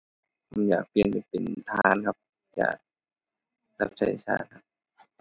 อยากเปลี่ยนไปเป็นทหารครับ อยากรับใช้ชาติ